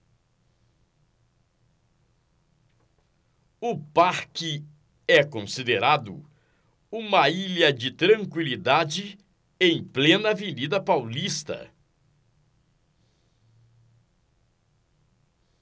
o parque é considerado uma ilha de tranquilidade em plena avenida paulista